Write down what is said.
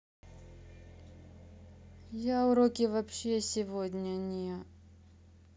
я уроки вообще сегодня не